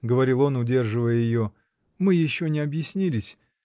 — говорил он, удерживая ее, — мы еще не объяснились.